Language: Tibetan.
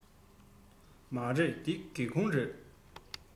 མ རེད འདི སྒེའུ ཁུང རེད